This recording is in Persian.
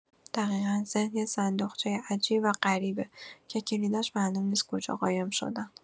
دقیقا، ذهن یه صندوقچۀ عجیب و غریبه که کلیداش معلوم نیست کجا قایم شدن.